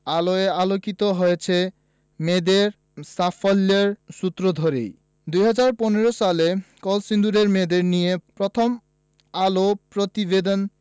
আলোয় আলোকিত হয়েছে মেয়েদের সাফল্যের সূত্র ধরেই ২০১৫ সালে কলসিন্দুরের মেয়েদের নিয়ে প্রথম আলো প্রতিবেদন